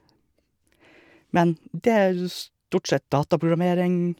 Men, det er stort sett dataprogrammering.